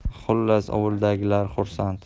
xullas ovuldagilar xursand